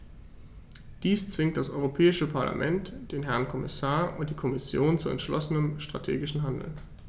Dies zwingt das Europäische Parlament, den Herrn Kommissar und die Kommission zu entschlossenem strategischen Handeln.